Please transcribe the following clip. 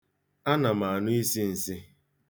Ana m anụ isi nsị.